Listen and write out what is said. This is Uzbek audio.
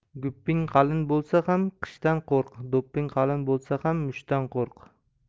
gupping qalin bo'lsa ham qishdan qo'rq do'pping qalin bo'lsa ham mushtdan qo'rq